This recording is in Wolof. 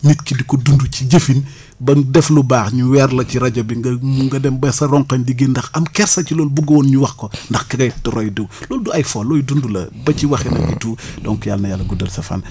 nit ki di ko dund ci jëfin ba def lu baax ñu weer la ci rajo bi nga nga dem ba sa rongañ di génn ndax am kersa ci loolu bëggoo woon ñu wax ko ndax ki ngay roy du loolu du ay fo looy dund la ba ci waxin et tout donc yal na yàlla guddal sa fan